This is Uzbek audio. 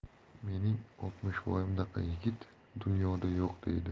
mening oltmishvoyimdaka yigit dunyoda yo'q deydi